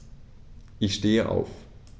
Ich stehe auf.